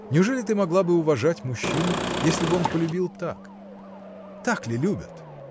Неужели ты могла бы уважать мужчину, если б он полюбил так?. Так ли любят?.